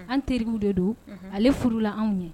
An teriw de don ale furu la anw ɲɛn.